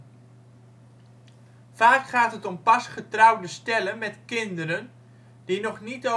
Vaak gaat het om pas getrouwde stellen met kinderen die nog niet